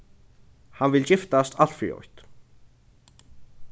hann vil giftast alt fyri eitt